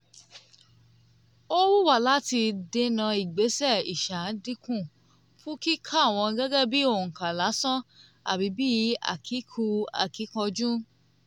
Ó wù wá láti dènà ìgbésẹ̀ ìṣàdínkù fún kíkà wọ́n gẹ́gẹ́ bíi òǹkà lásán àbí bíi akíkú-akíkanjú.